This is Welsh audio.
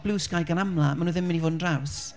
Blue Sky gan amla, maen nhw ddim yn mynd i fod yn draws.